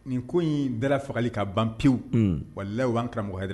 Nin ko in bɛɛ fagali ka ban pewu wala la'an karamɔgɔ hɛrɛ